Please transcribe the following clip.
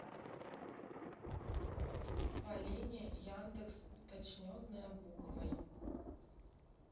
полине яндекс уточненная буквой